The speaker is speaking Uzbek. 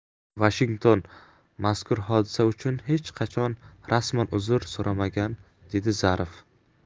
vashington mazkur hodisa uchun hech qachon rasman uzr so'ramagan dedi zarif